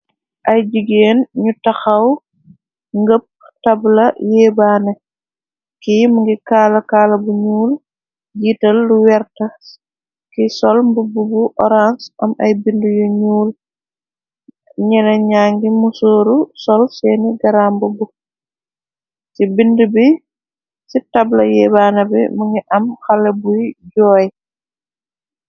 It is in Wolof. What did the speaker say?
Ay jigeen ñu taxaw ngëpp tabla yeebaane ki mngi kaalakaala bu ñuul jiital lu wertas ki sol mbubb bu orance am ay bind yu ñuul ñena ñangi musooru sol seeni garambubb ci tabla yeebaane bi më ngi am xale buy jooy.